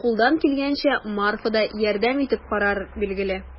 Кулдан килгәнчә Марфа да ярдәм итеп карар, билгеле.